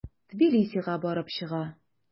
Тбилисига барып чыга.